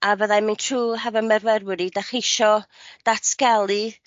A fyddai'n myn' trw hefo myrfyrwyr i 'dach chi isio datgelu